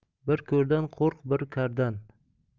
bir ko'rdan qo'rq bir kardan